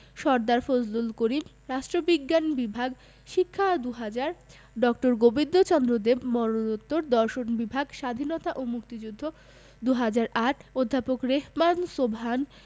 সরদার ফজলুল করিম রাষ্ট্রবিজ্ঞান বিভাগ শিক্ষা ২০০০ ড. গোবিন্দচন্দ্র দেব মরনোত্তর দর্শন বিভাগ স্বাধীনতা ও মুক্তিযুদ্ধ ২০০৮ অধ্যাপক রেহমান সোবহান